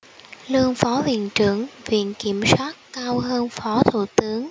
lương phó viện trưởng viện kiểm sát cao hơn phó thủ tướng